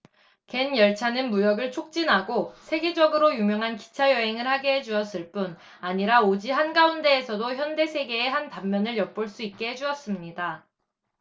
갠 열차는 무역을 촉진하고 세계적으로 유명한 기차 여행을 하게 해 주었을 뿐 아니라 오지 한가운데에서도 현대 세계의 한 단면을 엿볼 수 있게 해 주었습니다